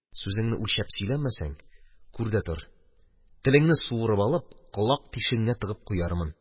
Сүзеңне үлчәп сөйләмәсәң, күр дә тор, телеңне суырып алып, колак тишегеңә тыгып куярмын.